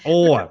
O!